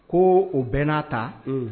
Ko o bɛɛ n'a ta